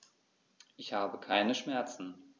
Ich habe keine Schmerzen.